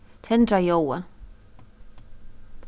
tendra ljóðið